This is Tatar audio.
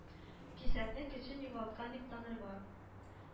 Кисәкне көчен югалткан дип танырга